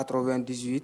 A t bɛ n diz ye